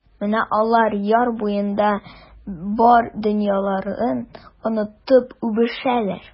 Менә алар яр буенда бар дөньяларын онытып үбешәләр.